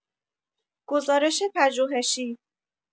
گزارش پژوهشی